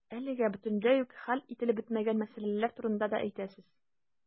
Әлегә бөтенләй үк хәл ителеп бетмәгән мәсьәләләр турында да әйтәсез.